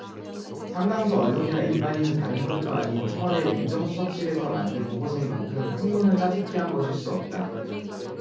상당수 언론이나 일반인은다른 곳도 아닌 청와대의 민정수석실에서 만든 보고서인 만큼 풍문을 짜깁기한 것일 수 없다